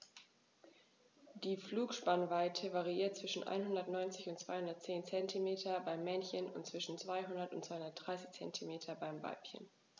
Die Flügelspannweite variiert zwischen 190 und 210 cm beim Männchen und zwischen 200 und 230 cm beim Weibchen.